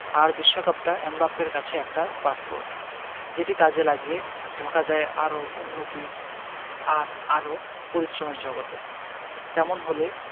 আর বিশ্বকাপটা এমবাপ্পের কাছে একটা পাসপোর্ট যেটি কাজে লাগিয়ে ঢোকা যায় আরও উন্নতি আর আরও পরিশ্রমের জগতে তেমন হলে